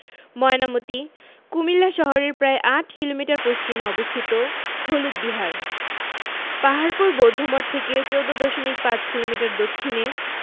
ময়নামতি কুমিল্লা শহরের প্রায় ৮ কিলোমিটার পশ্চিমে অবস্থিত হলুদ বিহার পাহাড়পুর বৌদ্ধমঠ থেকে ১৪দশমিক ৫ কিলোমিটার দক্ষিণে